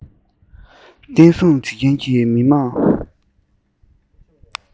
བརྟན སྲུང བྱེད མཁན གྱི མི དམངས